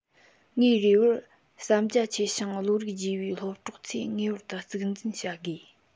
ངའི རེ བར བསམ རྒྱ ཆེ ཞིང བློ རིག རྒྱས པའི སློབ གྲོགས ཚོས ངེས པར དུ གཙིགས འཛིན བྱ དགོས